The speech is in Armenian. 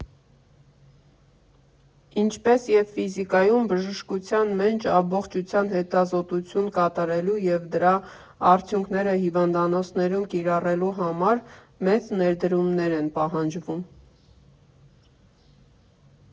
Ինչպես և ֆիզիկայում, բժշկության մեջ ամբողջական հետազոտություն կատարելու և դրա արդյունքները հիվանդանոցներում կիրառելու համար մեծ ներդրումներ են պահանջվում։